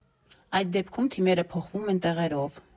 Այդ դեպքում թիմերը փոխվում են տեղերով։